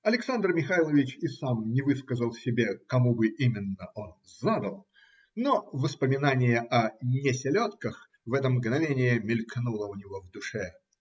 " Александр Михайлович и сам не высказал себе, кому бы именно он задал, но воспоминание о "не селедках" в это мгновение мелькнуло у него в душе.